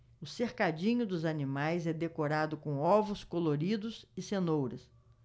o cercadinho dos animais é decorado com ovos coloridos e cenouras